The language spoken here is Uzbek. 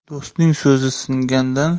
do'stning so'zi singandan